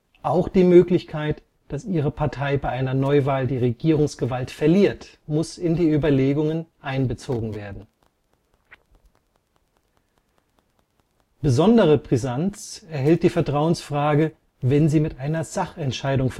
Auch die Möglichkeit, dass ihre Partei bei einer Neuwahl die Regierungsgewalt verliert, muss in die Überlegungen einbezogen werden. Besondere Brisanz erhält die Vertrauensfrage, wenn sie mit einer Sachentscheidung